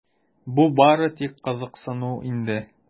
Бу бары тик кызыксыну иде.